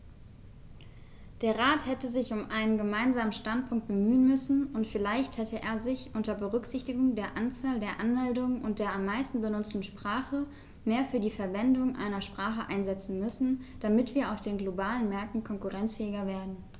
Der Rat hätte sich um einen gemeinsamen Standpunkt bemühen müssen, und vielleicht hätte er sich, unter Berücksichtigung der Anzahl der Anmeldungen und der am meisten benutzten Sprache, mehr für die Verwendung einer Sprache einsetzen müssen, damit wir auf den globalen Märkten konkurrenzfähiger werden.